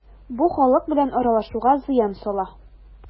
Бу халык белән аралашуга зыян сала.